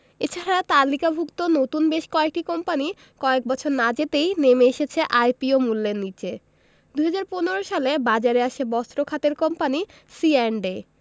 এ ছাড়া তালিকাভুক্ত নতুন বেশ কয়েকটি কোম্পানি কয়েক বছর না যেতেই নেমে এসেছে আইপিও মূল্যের নিচে ২০১৫ সালে বাজারে আসে বস্ত্র খাতের কোম্পানি সিঅ্যান্ডএ